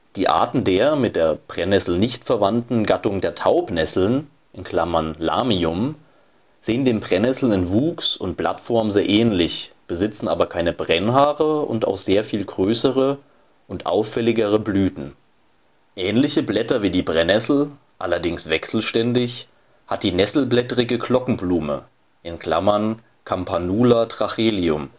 Die Arten der - mit den Brennnesseln nicht verwandten - Gattung der Taubnesseln (Lamium), sehen den Brennnesseln in Wuchs und Blattform sehr ähnlich, besitzen aber keine Brennhaare und auch sehr viel größere und auffälligere Blüten. Ähnliche Blätter wie die Brennnessel – allerdings wechselständig – hat die Nesselblättrige Glockenblume (Campanula trachelium